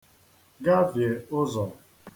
gavìe ụzọ̀